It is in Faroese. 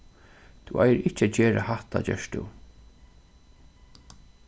tú eigur ikki at gera hatta gert tú